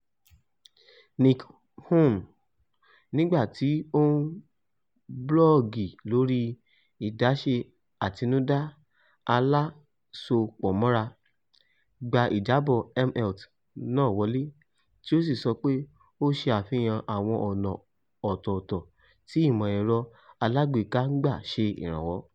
Nick Hunn, nígbà tí ó ń búlọ́ọ́gì lórí Ìdáse Àtinúdá Alásopọ̀mọ́ra, gba ìjábọ̀ mHealth náà wọlé, tí ó sì ń sọpe ó ṣe àfihàn àwọn ọ̀nà ọ̀tọ̀ọ̀tọ̀ tí ìmọ̀ ẹ̀rọ alágbèéká ń gbà ṣe ìrànwọ̀.